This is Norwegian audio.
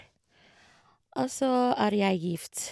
Og så er jeg gift.